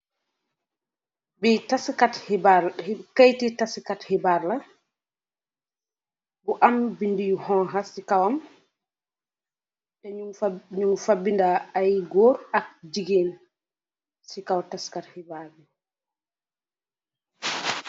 Bi tass katt hibarr, hibarr, kitt ti tass katt hibarlah buh emm bendah yuh honha si kowam teh nun faah nun faah bendah ayy goor ak jigeen si koow tass kaat hibarr bi.